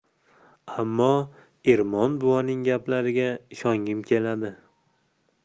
ammo ermon buvaning gaplariga ishongim keladi